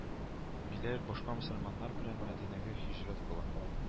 Биләл башка мөселманнар белән Мәдинәгә һиҗрәт кыла